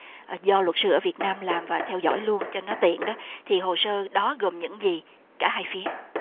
do luật sư ở việt nam làm và theo dõi luôn cho nó tiện đó thì hồ sơ đó gồm những gì cả hai phía